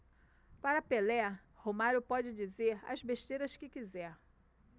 para pelé romário pode dizer as besteiras que quiser